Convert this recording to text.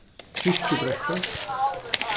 kirkjubrekka